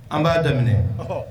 An b'a daminɛ